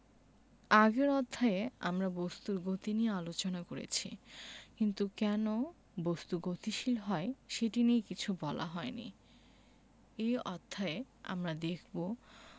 আগের অধ্যায়ে আমরা বস্তুর গতি নিয়ে আলোচনা করেছি কিন্তু কেন বস্তু গতিশীল হয় সেটি নিয়ে কিছু বলা হয়নি এই অধ্যায়ে আমরা দেখব